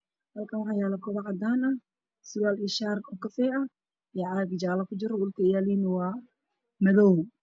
Halkaan waxaa yeelo kabacaddaano sawaal ishaaro kafeeca dhulka yaalaan waa midowga